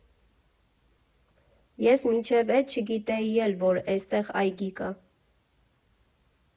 Ես մինչև էդ չգիտեի էլ, որ էստեղ այգի կա։